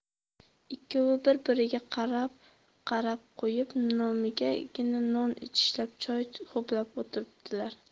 ikkovi bir biriga qarab qarab qo'yib nomigagina non tishlab choy ho'plab o'tirdilar